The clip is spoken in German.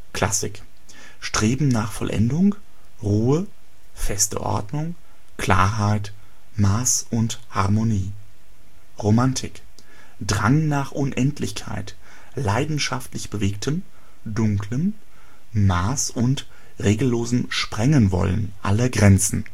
Klassik Streben nach Vollendung, Ruhe, fester Ordnung, Klarheit, Maß und Harmonie Romantik Drang nach Unendlichkeit, Leidenschaftlich-Bewegtem, Dunklem, maß - und regellosem Sprengenwollen aller Grenzen